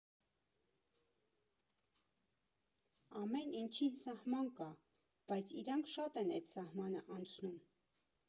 Ամեն ինչին սահման կա, բայց իրանք շատ են էտ սահմանը անցնում։